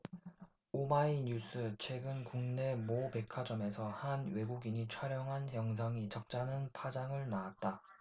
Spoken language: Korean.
오마이뉴스 최근 국내 모 백화점에서 한 외국인이 촬영한 영상이 적잖은 파장을 낳았다